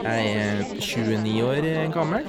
Jeg er tjueni år gammel.